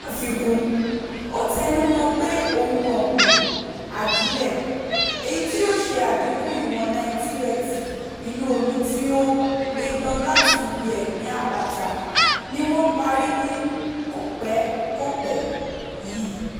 Ní àfikún, ó tẹnumọ́ọ pé ohun ọ̀gbìn ajílẹ̀, èyí tí yóò ṣe àdínkù ìwọ̀n náítírèètì inú omi tí ó lédan láti ibi ẹ̀gbin àpáta, ni wọ́n parí ní kòpẹ́kòpẹ́ yìí.